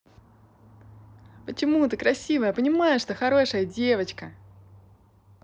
почему ты красивая понимаешь что хорошая девочка